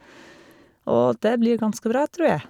Og det blir ganske bra, tror jeg.